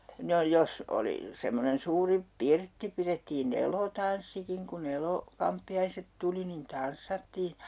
no jos oli semmoinen suuri pirtti pidettiin elotanssikin kun - kamppiaiset tuli niin tanssattiin